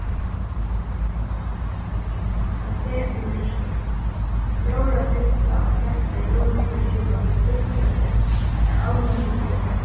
kafe í myrkri fjórða fimta og sætta juni verður skipað fyri tiltaki har almenningurin varð